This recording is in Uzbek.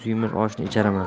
suymas oshni icharman